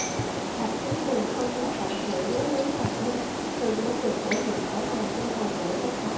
thạch kính đường không muốn cộng sự với lý tòng vinh thường muốn được bổ nhiệm ở ngoài kinh thành để tránh họa